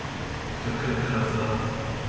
ты такая коза